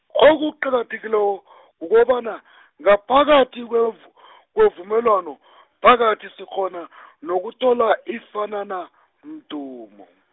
okuqakathekileko , kukobana , ngaphakathi kwevu- , kwevumelwano , phakathi sikghona , nokuthola ifanana mdumo.